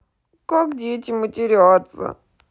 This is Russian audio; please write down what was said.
как дети матерятся